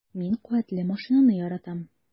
Мин куәтле машинаны яратам.